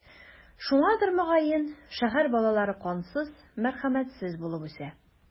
Шуңадыр, мөгаен, шәһәр балалары кансыз, мәрхәмәтсез булып үсә.